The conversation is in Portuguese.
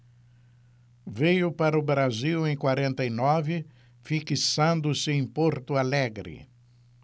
veio para o brasil em quarenta e nove fixando-se em porto alegre